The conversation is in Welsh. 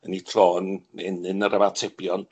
yn ei tro yn enyn ar yr atebion